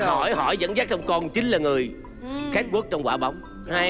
khỏi hỏi dẫn dắt xong con chính là người két guốc trong quả bóng hay